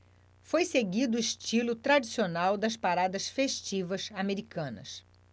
foi seguido o estilo tradicional das paradas festivas americanas